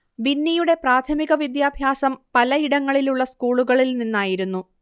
വിന്നിയുടെ പ്രാഥമിക വിദ്യാഭ്യാസം പലയിടങ്ങളിലുള്ള സ്കൂളുകളിൽ നിന്നായിരുന്നു